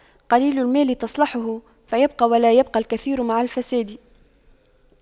قليل المال تصلحه فيبقى ولا يبقى الكثير مع الفساد